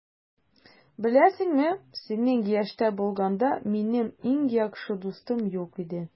Беләсеңме, синең яшьтә булганда, минем иң яхшы дустым юк иде.